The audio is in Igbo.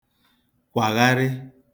kwàgharị